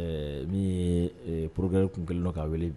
Min porok tun kelen k'a wele